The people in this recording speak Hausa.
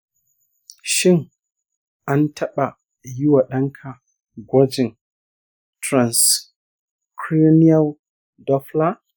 shin an taɓa yi wa ɗanka gwajin transcranial doppler?